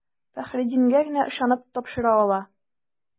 Фәхреддингә генә ышанып тапшыра ала.